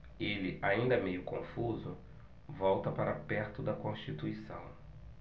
ele ainda meio confuso volta para perto de constituição